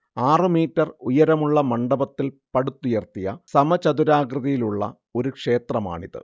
ആറുമീറ്റർ ഉയരമുള്ള മണ്ഡപത്തിൽ പടുത്തുയർത്തിയ സമചതുരാകൃതിയിലുള്ള ഒരു ക്ഷേത്രമാണിത്